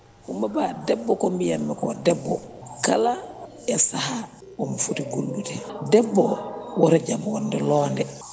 Coumba Ba debbo ko mbiyatmi ko tan debbo kala e saaha omo foti gollude debbo woto jaab wonde loonde